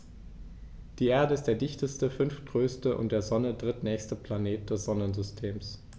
Die Erde ist der dichteste, fünftgrößte und der Sonne drittnächste Planet des Sonnensystems.